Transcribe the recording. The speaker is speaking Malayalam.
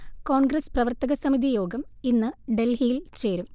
കോൺഗ്രസ് പ്രവർത്തക സമിതി യോഗം ഇന്ന് ഡൽഹിയിൽ ചേരും